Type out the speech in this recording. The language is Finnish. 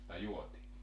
tai juotiin